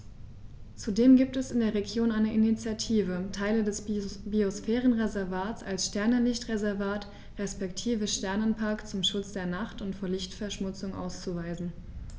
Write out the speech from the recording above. Zudem gibt es in der Region eine Initiative, Teile des Biosphärenreservats als Sternenlicht-Reservat respektive Sternenpark zum Schutz der Nacht und vor Lichtverschmutzung auszuweisen.